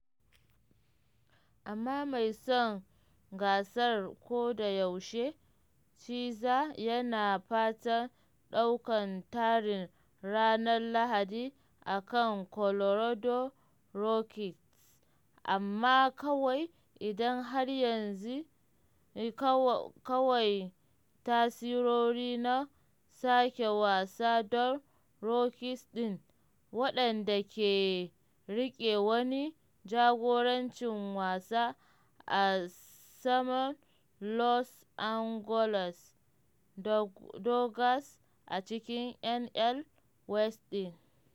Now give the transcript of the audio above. Amma mai son gasar kodayaushe Scherzer yana fatan ɗaukan tarin ranar Lahadi a kan Colorado Rockies, amma kawai idan har yanzi kawai tasirori na sake wasa don Rockies din, wadanda ke rike wani jagorancin wasa a saman Los Angeles Dodgers a cikin NL West ɗin.